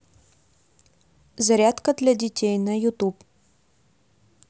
зарядка для детей на ютуб